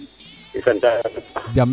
i sant a roga paax